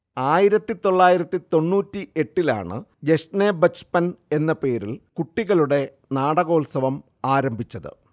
ആയിരത്തി തൊള്ളായിരത്തി തൊണ്ണൂറ്റിയെട്ടിലാണ് ജഷ്നേ ബച്പൻ എന്ന പേരിൽ കുട്ടികളുടെ നാടകോത്സവം ആരംഭിച്ചത്